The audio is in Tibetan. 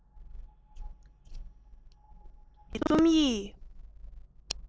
ཁྱོད ཀྱིས རྩོམ ཡིག